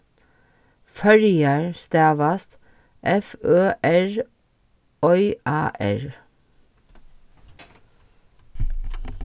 føroyar stavast f ø r oy a r